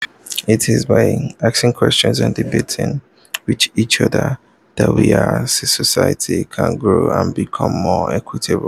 It is by asking questions and debating with each other that we, as a society, can grow and become more equitable.